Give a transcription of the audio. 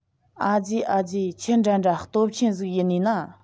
ཨ ཙེ ཨ ཙེ ཆི འདྲ འདྲ སྟོབས ཆེན ཟིག ཡིན ནིས ན